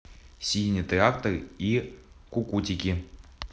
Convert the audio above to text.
синий трактор и кукутики